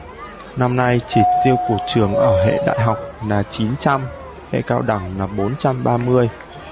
năm nay chỉ tiêu của trường ở hệ đại học là chín trăm hệ cao đẳng đẳng bốn trăm ba mươi